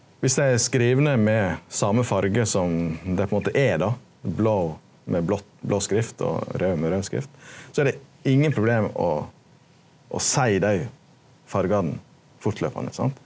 viss dei er skrivne med same farge som dei på ein måte er då blå med blått blå skrift og raud med raud skrift så er det ingen problem å å å seie dei fargane fortløpande sant.